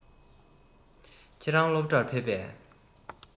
ཁྱེད རང སློབ གྲྭར ཕེབས པས